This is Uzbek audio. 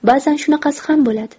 bazan shunaqasi ham bo'ladi